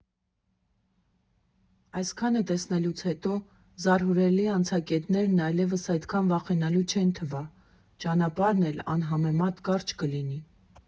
Այսքանը տեսնելուց հետո զարհուրելի անցակետներն այլևս այդքան վախենալու չեն թվա, ճանապարհն էլ անհամեմատ կարճ կլինի։